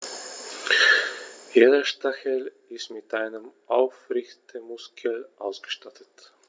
Jeder Stachel ist mit einem Aufrichtemuskel ausgestattet.